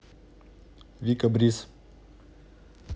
вика бриз